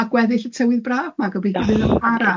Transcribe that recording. A a gweddill y tywydd braf, ma' gobeithio bydd o'n para.